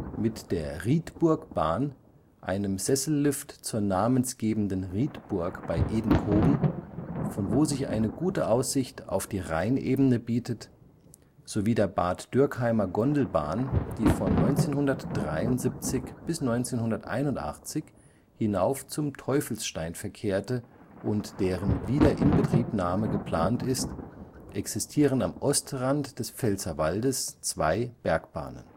Mit der Rietburgbahn, einem Sessellift zur namensgebenden Rietburg bei Edenkoben, von wo sich eine gute Aussicht auf die Rheinebene bietet, sowie der Bad Dürkheimer Gondelbahn, die von 1973 bis 1981 hinauf zum Teufelsstein verkehrte und deren Wiederinbetriebnahme geplant ist, existieren am Ostrand des Pfälzerwaldes zwei Bergbahnen